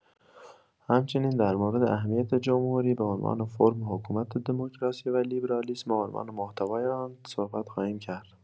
همچنین در مورد اهمیت جمهوری به عنوان فرم حکومت دموکراسی و لیبرالیسم به عنوان محتوای آن صحبت خواهیم کرد.